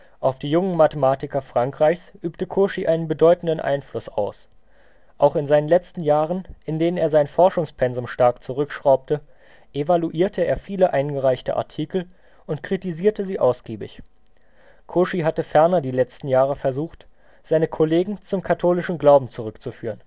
Auf die jungen Mathematiker Frankreichs übte Cauchy einen bedeutenden Einfluss aus: auch in seinen letzten Jahren, in denen er sein Forschungspensum stark zurückschraubte, evaluierte er viele eingereichte Artikel und kritisierte sie ausgiebig. Cauchy hatte ferner die letzten Jahre versucht, seine Kollegen zum katholischen Glauben zurückzuführen